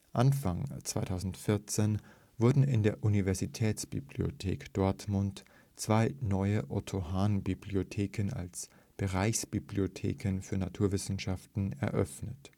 Anfang 2014 wurden in der Universitätsbibliothek Dortmund zwei neue Otto-Hahn-Bibliotheken als Bereichsbibliotheken für Naturwissenschaften eröffnet